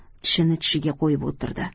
tishini tishiga qo'yib o'tirdi